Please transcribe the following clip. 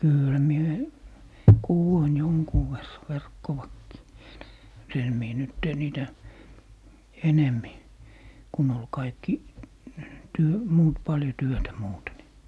kyllähän minä - kudoin jonkun verran verkkoakin en en minä nyt tee niitä enemmin kun oli kaikki - muut paljon työtä muuten niin